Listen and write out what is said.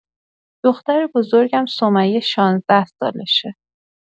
دختر بزرگم، سمیه، شانزده سالشه.